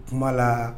Kuma la